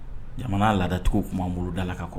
Jamanamana laadadatigiw b'an bolo dala ka kɔrɔ